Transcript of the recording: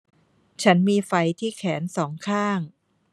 ฉันมีไฝที่แขนสองข้าง